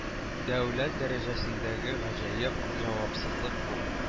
Дәүләт дәрәҗәсендәге гаҗәеп җавапсызлык бу